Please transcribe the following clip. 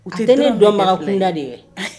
U tɛ tɛ ne dɔn marakunda de ye